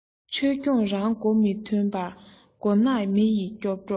ཆོས སྐྱོང རང མགོ མི ཐོན པར མགོ ནག མི ཡི སྐྱོབ རོག